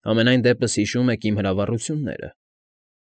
Համենայն դեպս հիշում եք իմ հրավառությունները։